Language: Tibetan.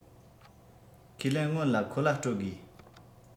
ཁས ལེན སྔོན ལ ཁོ ལ སྤྲོད དགོས